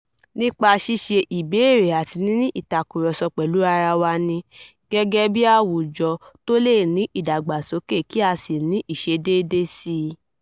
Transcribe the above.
Nípa ṣíṣe ìbéèrè àti níní ìtàkúrọ̀sọ̀ pẹ̀lú ara wa ni a, gẹ́gẹ́ bíi àwùjọ, tó lè ní ìdàgbàsókè kí á sì ní ìṣedéédé síi.